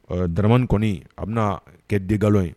Daramani kɔni a bɛna kɛ den nkalonlo ye